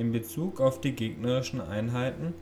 Bezug auf die gegnerischen Einheiten